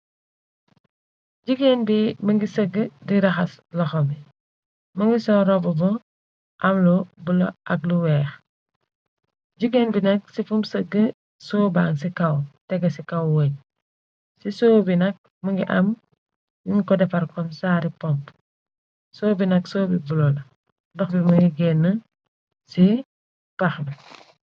Jigeen bi më ngi sëgg di raxas loxom yi, më ngi sol robbu bu am lo bula ak lu weex, jigéen bi nak ci fum-sëgg siwo baang ci kaw, teg ci kaw wej, ci siwo bi nak më ngi am yuñ ko defare kom saari pomp, siwo bi nag, siwo bu bula ndox bi mëngi genne ci pax bi.